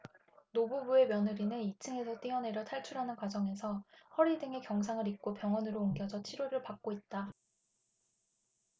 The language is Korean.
노부부의 며느리는 이 층에서 뛰어내려 탈출하는 과정에서 허리 등에 경상을 입고 병원으로 옮겨져 치료를 받고 있다